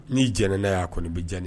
N'i jɛnna n'a ye , a kɔni bɛ diya ne ye.